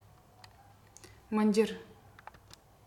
མི འགྱུར